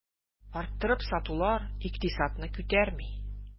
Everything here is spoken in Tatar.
Арттырып сатулар икътисадны күтәрми.